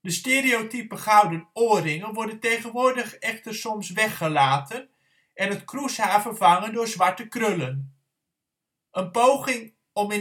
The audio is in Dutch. stereotype gouden oorringen worden tegenwoordig echter soms weggelaten en het kroeshaar vervangen door zwarte krullen. Een poging om in